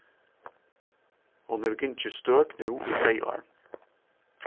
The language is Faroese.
hon hevur gingið støk nú í tvey ár